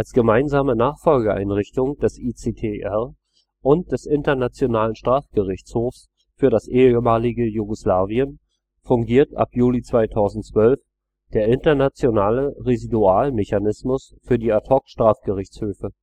gemeinsame Nachfolgeeinrichtung des ICTR und des Internationalen Strafgerichtshofs für das ehemalige Jugoslawien fungiert ab Juli 2012 der Internationale Residualmechanismus für die Ad-hoc-Strafgerichtshöfe